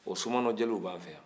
o somanɔ jeliw b'an fɛ yan